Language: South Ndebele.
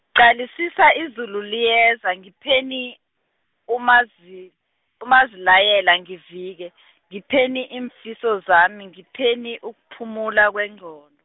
qalisisa izulu liyeza, ngipheni, umazi- umazilayela ngivike, ngipheni iimfiso zami, ngipheni ukuphumula kwenqond-.